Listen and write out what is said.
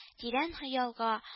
Тирән хыялга